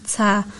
marchnata